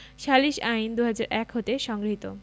সালিস আইন ২০০১ হতে সংগৃহীত